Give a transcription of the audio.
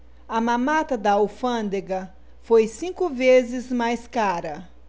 a mamata da alfândega foi cinco vezes mais cara